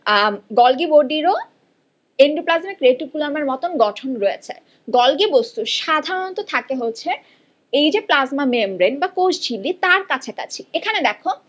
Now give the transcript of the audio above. Golgi বডির ও endoplasmic reticulum এর মত গঠন রয়েছে গলগি বস্তু সাধারণত থাকে হচ্ছে এই যে প্লাজমা মেমব্রেন বা কোষঝিল্লি তার কাছাকাছি এখানে দেখো